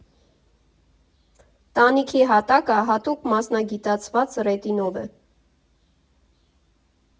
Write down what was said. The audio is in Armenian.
Տանիքի հատակը հատուկ մասնագիտացված ռետինով է։